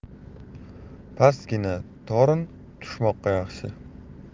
pastgina torn tushmoqqa yaxshi